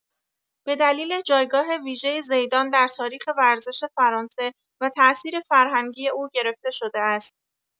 به دلیل جایگاه ویژه زیدان در تاریخ ورزش فرانسه و تاثیر فرهنگی او گرفته‌شده است.